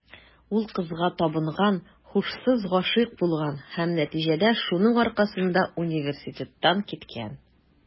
Ул кызга табынган, һушсыз гашыйк булган һәм, нәтиҗәдә, шуның аркасында университеттан киткән.